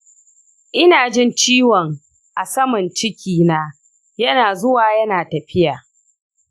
ina jin ciwon a saman ciki na yana zuwa yana tafiya.